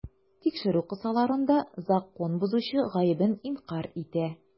Тикшерү кысаларында закон бозучы гаебен инкарь итә.